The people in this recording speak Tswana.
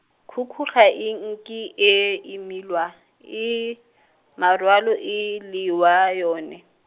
khukhu ga e nke e imelwa ke morwalo e le wa yone.